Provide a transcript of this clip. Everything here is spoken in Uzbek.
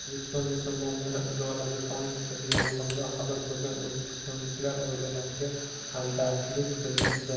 o'zbekiston musulmonlari idorasi tomskdagi yong'inda halok bo'lgan o'zbekistonliklar oilalariga hamdardlik bildirdi